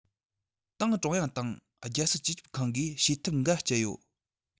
ཏང ཀྲུང དབྱང དང རྒྱལ སྲིད སྤྱི ཁྱབ ཁང གིས བྱེད ཐབས འགའ སྤྱད ཡོད